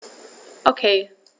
Okay.